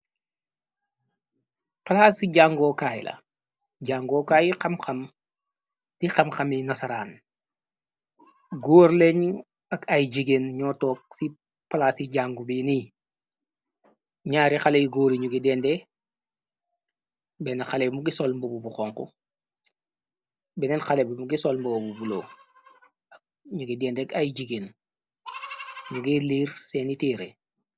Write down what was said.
Palaas ci jàngookaay la jangookaay xam-xam di xam-xami nasaraan góor leeñu ak ay jigéen ñoo toog ci plaas yi jangu bi ni ñaari xaley góori ñu gi dente benn xalé mu gisol mbob bu xonxu benneen xalé bi mu gisol mboobu bulo ak ñu gi dendék ay jigéen ñu ngi liir seeni téere.